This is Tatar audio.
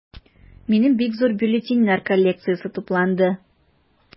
Минем бик зур бюллетеньнәр коллекциясе тупланды.